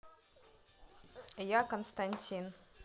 я константин